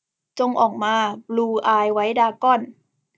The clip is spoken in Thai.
จงออกมาบลูอายไวท์ดราก้อน